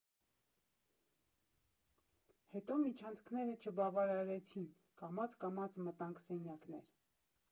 Հետո միջանցքները չբավարարեցին, կամաց֊կամաց մտանք սենյակներ։